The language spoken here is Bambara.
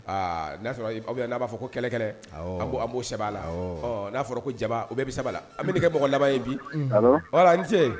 Aa n'a sɔrɔ aw n' b'a fɔ ko kɛlɛkɛ an b' saba la n'a fɔra ko ja u bɛɛ bɛ saba an bɛ kɛ mɔgɔ laban in bi an ni ce